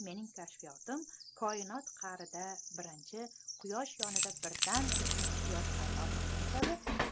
mening kashfiyotim koinot qa'rida birinchi quyosh yonida birdan ikkinchi quyosh paydo bo'lgani kabi